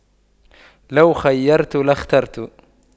لو خُيِّرْتُ لاخترت